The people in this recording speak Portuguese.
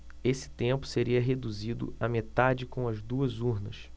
esse tempo seria reduzido à metade com as duas urnas